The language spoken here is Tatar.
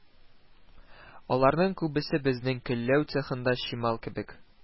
Аларның күбесе безнең көлләү цехындагы чимал кебек